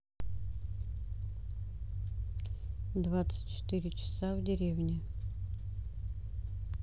двадцать четыре часа в деревне